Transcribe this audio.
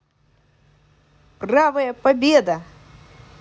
правая победа